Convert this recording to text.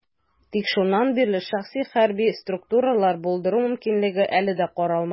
Тик шуннан бирле шәхси хәрби структуралар булдыру мөмкинлеге әле дә каралмаган.